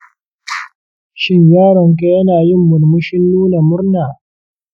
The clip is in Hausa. shin yaronka yana yin murmushin nuna murna